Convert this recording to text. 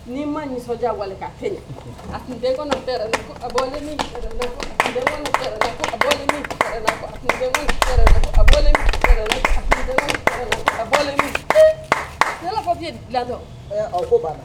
Ni' ma nisɔndiya wali ka yen a kun dila dɔn a ko